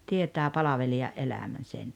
tietää palvelijan elämän sen